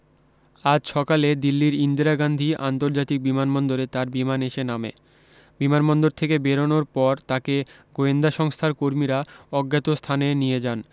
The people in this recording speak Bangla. আজ সকালে দিল্লীর ইন্দিরা গান্ধী আন্তর্জাতিক বিমানবন্দরে তার বিমান এসে নামে বিমান বন্দর থেকে বেরোনোর পর তাঁকে গোয়েন্দা সংস্থার কর্মীরা অজ্ঞাত স্থানে নিয়ে যান